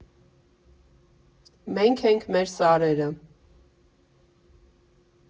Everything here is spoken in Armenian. Մենք ենք մեր սարերը։